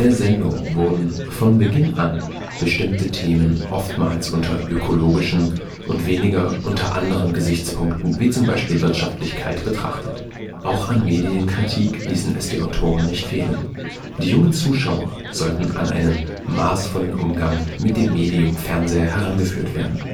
Sendung wurden von Beginn an bestimmte Themen oftmals unter ökologischen und weniger unter anderen Gesichtspunkten, wie z. B. Wirtschaftlichkeit, betrachtet. Auch an Medienkritik ließen es die Autoren nicht fehlen. Die jungen Zuschauer sollten an einen maßvollen Umgang mit dem Medium Fernsehen herangeführt werden